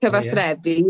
cyfathrebu.